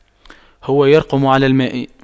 هو يرقم على الماء